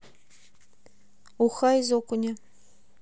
уха из окуня